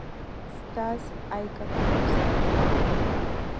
стас ай как просто